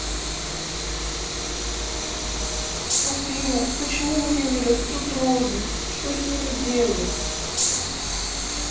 афина почему мне не растут розы что с ними делать